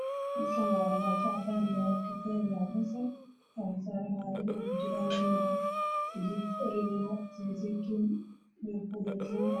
Meeshaan waxaa yaala dhalooyin ay ku jiraan qudaar kala duwan